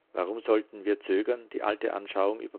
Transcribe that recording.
Warum sollten wir zögern, die alte Anschauung